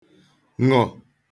ṅụ̀